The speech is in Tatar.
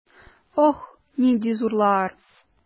Ох, нинди зурлар!